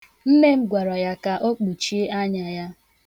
Nne m gwara ya ka o kpuchie anya ya.